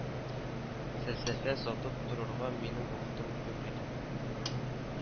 Фәлсәфә сатып торырга минем вакытым юк иде